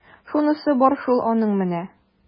Шунысы бар шул аның менә! ..